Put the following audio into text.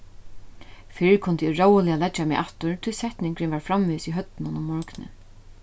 fyrr kundi eg róliga leggja meg aftur tí setningurin var framvegis í høvdinum um morgunin